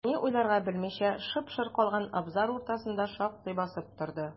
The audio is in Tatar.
Ни уйларга белмичә, шып-шыр калган абзар уртасында шактый басып торды.